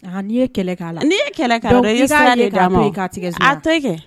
N'i ye kɛlɛ k'a la, i ye sira de d'a ma. I b'a ye k'a to yen ka tigɛzonya.